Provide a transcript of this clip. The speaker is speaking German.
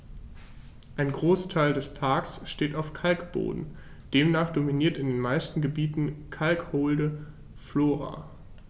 Ein Großteil des Parks steht auf Kalkboden, demnach dominiert in den meisten Gebieten kalkholde Flora.